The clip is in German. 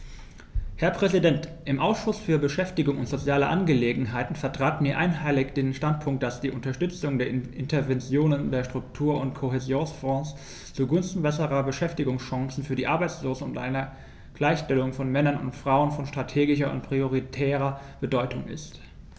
Herr Präsident, im Ausschuss für Beschäftigung und soziale Angelegenheiten vertraten wir einhellig den Standpunkt, dass die Unterstützung der Interventionen der Struktur- und Kohäsionsfonds zugunsten besserer Beschäftigungschancen für die Arbeitslosen und einer Gleichstellung von Männern und Frauen von strategischer und prioritärer Bedeutung ist.